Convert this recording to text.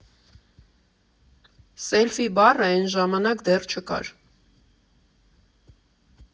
Սելֆի բառը էն ժամանակ դեռ չկար։